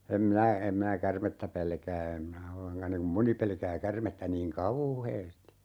en minä en minä käärmettä pelkää en minä ollenkaan niin kuin moni pelkää käärmettä niin kauheasti